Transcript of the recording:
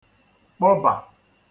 kpọbà